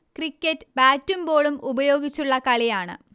cricket ബാറ്റും ബോളും ഉപയോഗിച്ചുള്ള കളിയാണ്